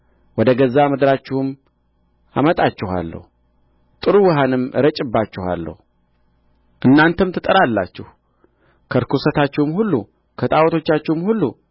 ወደ ገዛ ምድራችሁም አመጣችኋለሁ ጥሩ ውኃንም እረጭባችኋለሁ እናንተም ትጠራላችሁ ከርኵሰታችሁም ሁሉ ከጣዖቶቻችሁም ሁሉ